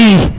i